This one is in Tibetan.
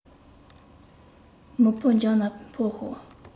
མི ཕོ འཇོན ན ཕེབས ཤོག